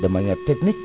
de maniére technique